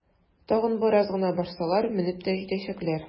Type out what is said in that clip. Тагын бераз гына барсалар, менеп тә җитәчәкләр!